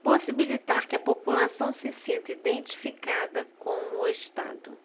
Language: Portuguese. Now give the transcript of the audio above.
possibilitar que a população se sinta identificada com o estado